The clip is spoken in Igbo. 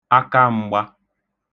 akam̄gbā